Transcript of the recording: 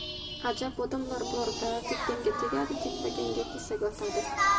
ajab odamlar bor da tegganga tegadi tegmaganga kesak otadi